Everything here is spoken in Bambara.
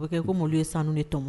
O bɛ kɛ komi olu ye sanu de tɔmɔ.